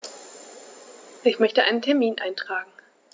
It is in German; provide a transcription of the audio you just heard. Ich möchte einen Termin eintragen.